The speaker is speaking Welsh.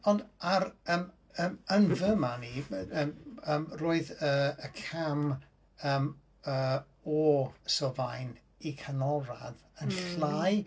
Ond ar yym yym... Yn fy marn i yym yym roedd yy y cam yym yy o sylfaen i canolradd yn llai.